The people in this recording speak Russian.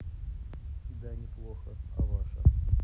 да неплохо а ваша